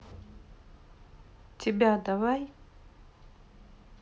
тебя давай